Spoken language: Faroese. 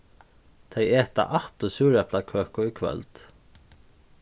tey eta aftur súreplakøku í kvøld